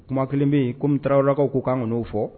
Kumaman kelen bɛ yen ko tarawelew lakaw k' k kan n'o fɔ